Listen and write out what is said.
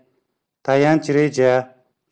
tayanch reja